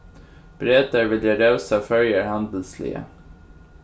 bretar vilja revsa føroyar handilsliga